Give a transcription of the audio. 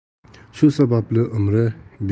shu sababli umri